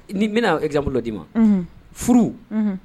Ni n bi na explique dɔ di ma Unhun. furu Unhun